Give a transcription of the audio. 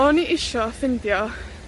o'n i isio ffindio